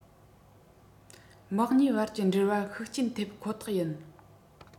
དམག གཉིས དབར གྱི འབྲེལ བ ཤུགས རྐྱེན ཐེབ ཁོ ཐག ཡིན